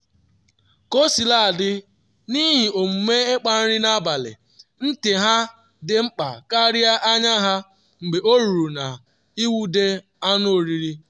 Kosiladị, n’ihi omume ịkpa nri n’abalị, ntị ha dị mkpa karịa anya ha mgbe oruru n’inwude anụ oriri.